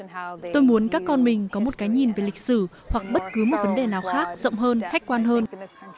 tôi muốn các con mình có một cái nhìn về lịch sử hoặc bất cứ một vấn đề nào khác rộng hơn khách quan hơn